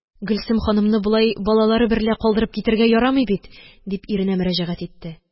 Гөлсем ханымны болай балалары берлә калдырып китәргә ярамый бит! – дип, иренә мөрәҗәгать итте.